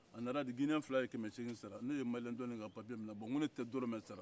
a nana gineɲɛ fila ye kɛmɛ seegin sara ne ye maliɲɛ dɔ in ka papiye minɛ ko ne tɛ dɔrɔmɛ sara